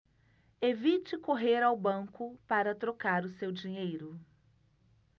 evite correr ao banco para trocar o seu dinheiro